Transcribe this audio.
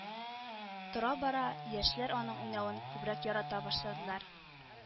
Тора-бара яшьләр аның уйнавын күбрәк ярата башладылар